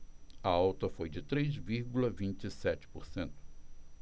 a alta foi de três vírgula vinte e sete por cento